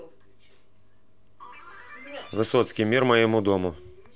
высоцкий мир моему дому